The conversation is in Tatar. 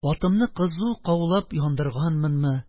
Атымны кызу каулап яндырганмынмы,